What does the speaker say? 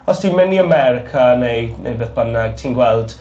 Os ti'n mynd i America neu neu beth bynnag ti'n gweld